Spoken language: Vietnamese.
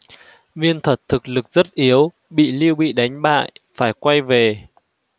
viên thuật thực lực rất yếu bị lưu bị đánh bại phải quay về